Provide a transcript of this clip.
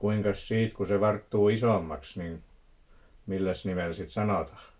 kuinkas sitten kun se varttuu isommaksi niin milläs nimellä sitten sanotaan